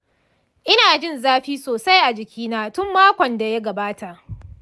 ina jin zafi sosai a jikina tun makon da ya gabata.